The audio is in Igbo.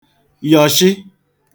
yọ̀shị